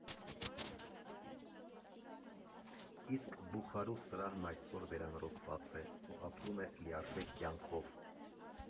Իսկ Բուխարու սրահն այսօր վերանորոգված է ու ապրում է լիարժեք կյանքով.